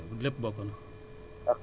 dëgg la lépp bokk na